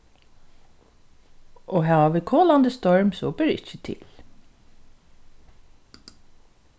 og hava vit kolandi storm so ber ikki til